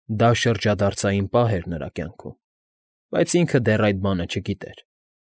Դա շրջադարձային պահ էր նրա կյանքում, բայց ինքը դեռ այդ բանը չգիտեր։